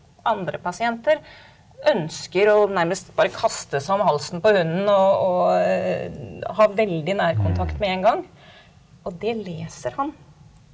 andre pasienter ønsker å nærmest bare kaste seg om halsen på hunden og ha veldig nærkontakt med en gang, og det leser han.